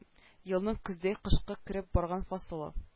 Елның көздән кышка кереп барган фасылы